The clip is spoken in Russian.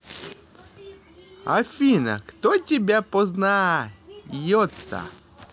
афина кто тебя познается